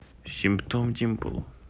симптом dimple